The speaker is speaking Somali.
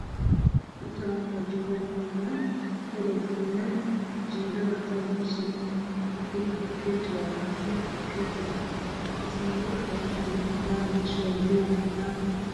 Waa niman dhisaayo guri makiinado